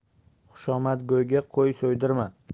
xushomadgo'yga qo'y so'ydirma